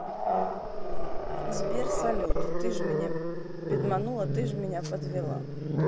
сбер салют ты ж меня пидманула ты ж меня подвела